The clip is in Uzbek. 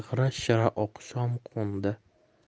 g'ira shira oqshom qo'ndi